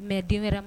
Mɛ den wɛrɛ